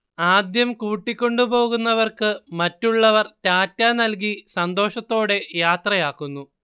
ആദ്യം കൂട്ടിക്കൊണ്ടു പോകുന്നവർക്കു മറ്റുള്ളവർ ടാറ്റാ നൽകി സന്തോഷത്തോടെ യാത്രയാക്കുന്നു